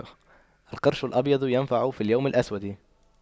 القرش الأبيض ينفع في اليوم الأسود